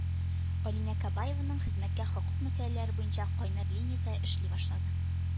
Алинә Кабаеваның хезмәткә хокук мәсьәләләре буенча кайнар линиясе эшли башлады